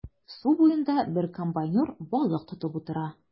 Су буенда бер комбайнер балык тотып утыра.